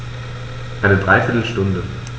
Eine dreiviertel Stunde